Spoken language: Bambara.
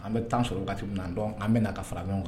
An bɛ tan sɔrɔ ga na dɔn an bɛ ka fara kan